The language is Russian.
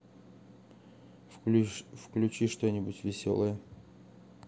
включи что нибудь веселое